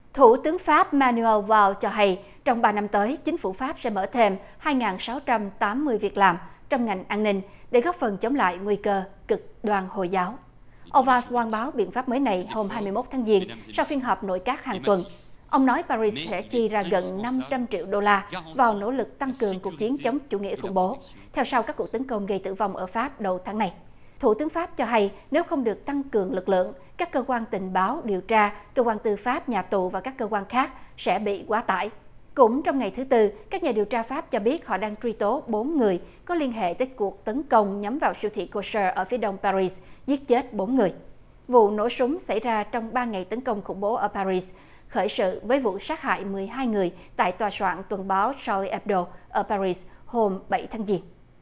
thủ tướng pháp ma niu ơ vao cho hay trong ba năm tới chính phủ pháp sẽ mở thêm hai ngàn sáu trăm tám mươi việc làm trong ngành an ninh để góp phần chống lại nguy cơ cực đoan hồi giáo ơ vao loan báo báo biện pháp mới này hôm hai mươi mốt tháng giêng sau phiên họp nội các hằng tuần ông nói pa ri sẽ chi ra gần năm trăm triệu đô la vào nỗ lực tăng cường cuộc chiến chống chủ nghĩa khủng bố theo sau các cuộc tấn công gây tử vong ở pháp đầu tháng này thủ tướng pháp cho hay nếu không được tăng cường lực lượng các cơ quan tình báo điều tra cơ quan tư pháp nhà tù và các cơ quan khác sẽ bị quá tải cũng trong ngày thứ tư các nhà điều tra pháp cho biết họ đang truy tố bốn người có liên hệ tới cuộc tấn công nhắm vào siêu thị co sơ ở phía đông pa ri giết chết bốn người vụ nổ súng xảy ra trong ba ngày tấn công khủng bố ở pa ri khởi sự với vụ sát hại mười hai người tại tòa soạn tuần báo sa li ép đô ở pa ri hôm bảy tháng giêng